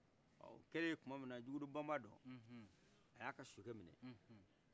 o kɛle tuma minna jugudu banbadɔ a y' aka sokɛ minɛ